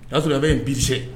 Y'a sɔrɔ a bɛ yen bise